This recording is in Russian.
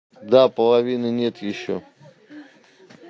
да половины нет еще